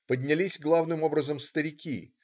Поднялись главным образом старики.